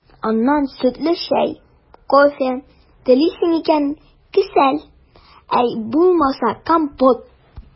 Аннан сөтле чәй, кофе, телисең икән – кесәл, йә булмаса компот.